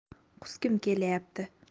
qusgim kelayapti